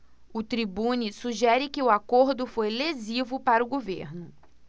o tribune sugere que o acordo foi lesivo para o governo